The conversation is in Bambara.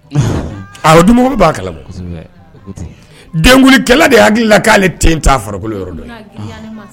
A duman b'a kala denkunkɛla de hakili la k'ale den ta farikolokolo